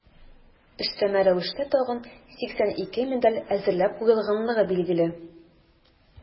Өстәмә рәвештә тагын 82 медаль әзерләп куелганлыгы билгеле.